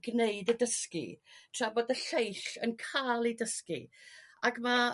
gneud y dysgu tra bod y lleill yn ca'l eu dysgu ac ma'